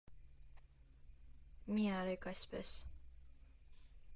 Մի արեք այսպես։